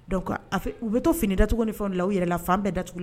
Dɔw u bɛ to fini da tugun fɛn la u yɛrɛ fan bɛɛ daugu la